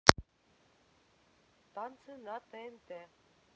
танцы на тнт